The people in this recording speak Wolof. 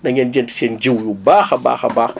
na ngeen jënd seen jiw yu baax a baax a baax